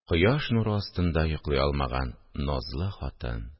– кояш нуры астында йоклый алмаган назлы хатын